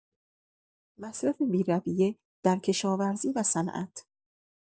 مصرف بی‌رویه در کشاورزی و صنعت